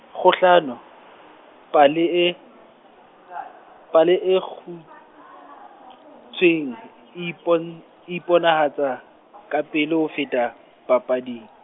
kgohlano, pale e, pale e kgut- -tshweng e ipon-, e iponahatsa, kapele ho feta papading.